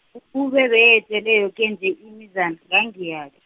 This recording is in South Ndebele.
khube beyetjelwa yoke nje imizana, ngangiyatjho.